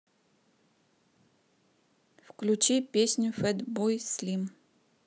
включи песню фэтбой слим